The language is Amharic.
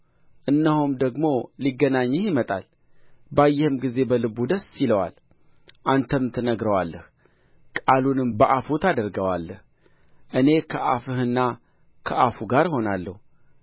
እነሆም ደግሞ ሊገናኝህ ይመጣል ባየህም ጊዜ በልቡ ደስ ይለዋል አንተም ትናገረዋለህ ቃሉንም በአፉ ታደርገዋለህ እኔ ከአፍህና ከአፉ ጋር እሆናለሁ